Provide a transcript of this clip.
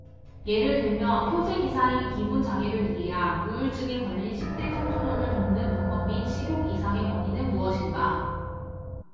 예를 들면 표제 기사인 기분 장애를 이해함 우울증에 걸린 십대 청소년을 돕는 방법 및 식욕 이상의 원인은 무엇인가